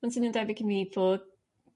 Maen swnio'n debyg i mi fod